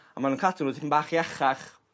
a ma' nw'n cadw yn tipyn bach iachach